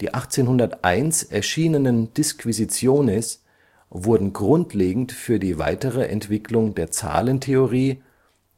Die 1801 erschienenen Disquisitiones wurden grundlegend für die weitere Entwicklung der Zahlentheorie,